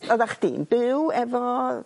Odda cdi'n byw efo...